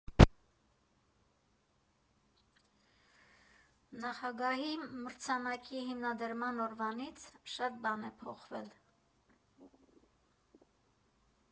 Նախագահի մրցանակի հիմնադրման օրվանից շատ բան է փոխվել։